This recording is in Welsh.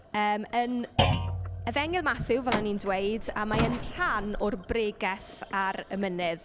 Yym yn... Efengyl Mathew, fel o'n i'n dweud, a mae e'n rhan o'r Bregeth ar y Mynydd.